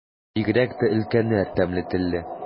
Бигрәк тә өлкәннәр тәмле телле.